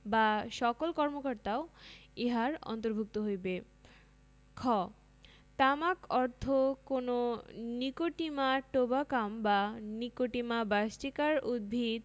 বা সকল কর্মকর্তাও ইহার অন্তর্ভুক্ত হইবে খ তামাক অর্থ কোন নিকোটিমা টোবাকাম বা নিকোটিমা বাসটিকার উদ্ভিদ